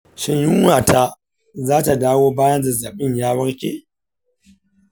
shin yunwata za ta dawo bayan zazzabin ya warke?